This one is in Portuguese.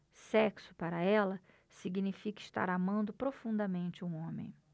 sexo para ela significa estar amando profundamente um homem